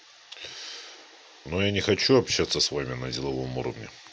но я не хочу общаться с вами на деловом уровне